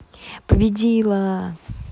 победила